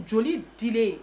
Joli dilen